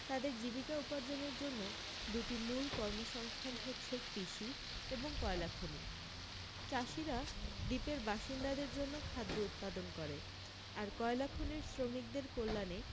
তাদের জীবিকা উপার্জনের জন্য দু টি মূল কর্মসংস্থান হচ্ছে কৃষি এবং কয়লাখনি চাষীরা দ্বীপের বাসিন্দাদের জন্য খাদ্য উৎপাদন করে আর কয়লাখনির শ্রমিকদের কল্যাণে